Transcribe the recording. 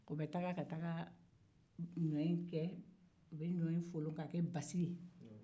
u bɛ ɲɔ ke basi ye